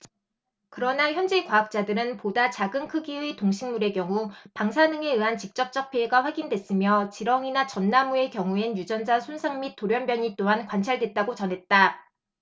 그러나 현지 과학자들은 보다 작은 크기의 동식물의 경우 방사능에 의한 직접적 피해가 확인됐으며 지렁이나 전나무의 경우엔 유전자 손상 및 돌연변이 또한 관찰됐다고 전했다